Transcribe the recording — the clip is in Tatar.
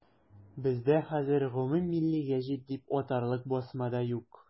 Бездә хәзер гомуммилли гәҗит дип атарлык басма да юк.